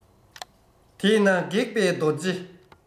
དེས ན སྒེག པའི རྡོ རྗེ